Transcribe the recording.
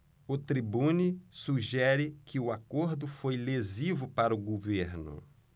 o tribune sugere que o acordo foi lesivo para o governo